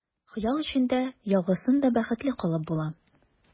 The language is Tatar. Хыял эчендә ялгызың да бәхетле калып була.